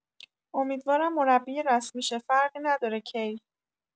امیدوارم مربی رسمی شه فرقی نداره کی